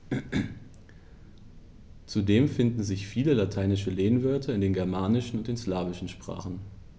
Zudem finden sich viele lateinische Lehnwörter in den germanischen und den slawischen Sprachen.